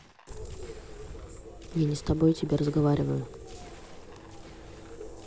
я не с тобой тебе разговариваю